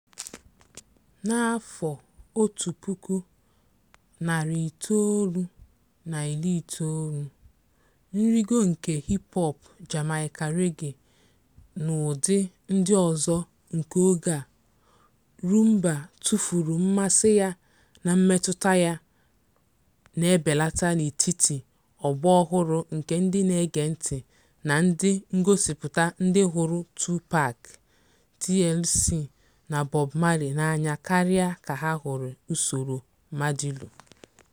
N'afọ 1990, nrịgo nke hip-hop, Jamaican Reggae, na ụdị ndị ọzọ nke oge a, Rhumba tụfuru mmasị ya na mmetụta ya na-ebelata n'etiti ọgbọ ọhụrụ nke ndị na-ege ntị na ndị ngosịpụta ndị hụrụ Tupac, TLC, na Bob Marley n'anya karịa ka ha hụrụ usoro Madilu.